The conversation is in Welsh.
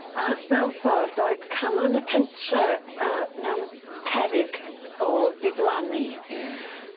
Ag mewn ffordd oedd calon y pentre yy mewn peryg o diflannu. Ie.